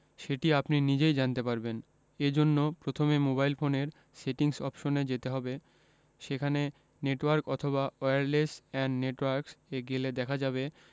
সেটি আপনি নিজেই জানতে পারবেন এ জন্য প্রথমে মোবাইল ফোনের সেটিংস অপশনে যেতে হবে সেখানে নেটওয়ার্ক অথবা ওয়্যারলেস অ্যান্ড নেটওয়ার্কস এ গেলে দেখা যাবে